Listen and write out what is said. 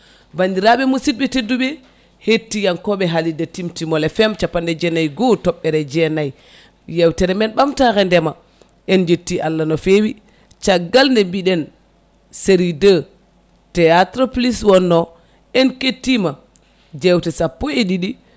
bandiraɓe musidɓe tedduɓe hettiyankoɓe haalirde Timtimol FM capanɗe jeenayyi e goho toɓɓere jeenayyi yewtere men ɓamtare ndeema en jetti Allah no fewi caggal nde mbiɗen série 2 théâtre plus wonno en kettima jewte sappo e ɗiɗi